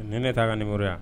Ne ne taa ka nin yan